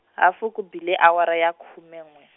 hafu ku bile awara ya khume n'we.